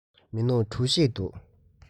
མི འདུག གྲོ ཞིབ འདུག